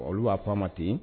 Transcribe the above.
Olu'a fa ma ten